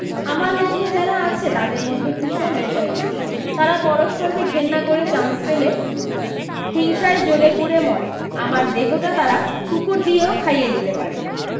আমার লাইনে যারা আছে তাদের মধ্যে ভীষণ রেষারেষি তারা পরস্পরকে ঘেন্না করে চান্স পেলে হিংসেয় জ্বলে পুড়ে মরে আমার দেহটা তারা কুকুর দিয়েও খাইয়ে দিতে পারে